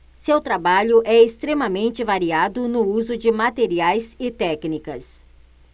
seu trabalho é extremamente variado no uso de materiais e técnicas